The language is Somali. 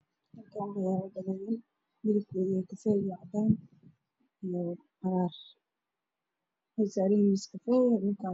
Dalka waxaa yaallaato midabkeedu yahay kafee waxay saaran tahay meel miis ah